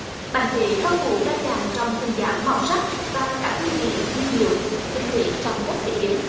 bánh huế phong phú đa dạng trong hình dáng màu sắc và các hương vị nguyên liệu tinh tế trong cách chế biến